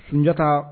Njatata